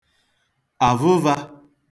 àvụvā